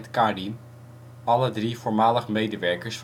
Karim, alle drie voormalig medewerkers